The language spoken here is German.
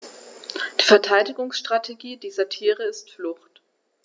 Die Verteidigungsstrategie dieser Tiere ist Flucht.